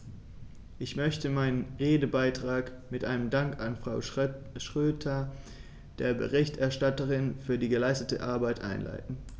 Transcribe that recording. Ich möchte meinen Redebeitrag mit einem Dank an Frau Schroedter, der Berichterstatterin, für die geleistete Arbeit einleiten.